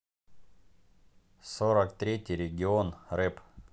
сорок третий регион рэп